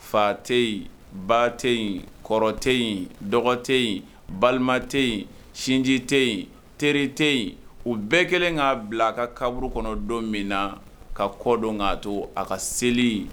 Fa tɛ yen ba tɛ yen kɔrɔ tɛ yen dɔgɔ tɛ in balima tɛ yen sinji tɛ yen teri tɛ yen u bɛɛ kɛlen k'a bila a ka kaburu kɔnɔ don min na ka kɔ don k'a to a ka seli